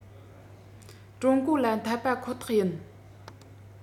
ཀྲུང གོ ལ འཐམས པ ཁོ ཐག ཡིན